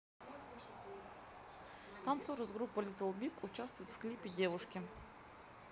танцор из группы little big участвует в клипе девушки